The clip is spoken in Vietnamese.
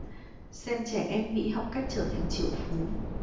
xem trẻ em mỹ học cách trở thành triệu phú